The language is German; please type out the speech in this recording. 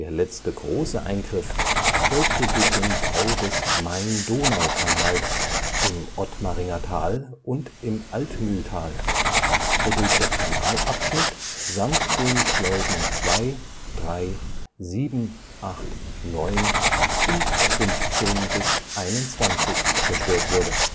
letzte große Eingriff erfolgte durch den Bau des Main-Donau-Kanals im Ottmaringer Tal und im Altmühltal, wodurch der Kanalabschnitt samt den Schleusen 2, 3, 7, 8, 9 und 15 bis 21 zerstört wurde